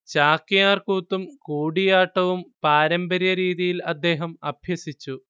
ചാക്യാർ കൂത്തും കൂടിയാട്ടവും പാരമ്പര്യ രീതിയിൽ അദ്ദേഹം അഭ്യസിച്ചു